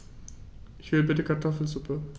Ich will bitte Kartoffelsuppe.